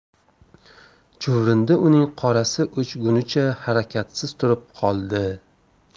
chuvrindi uning qorasi o'chgunicha harakatsiz turib qoldi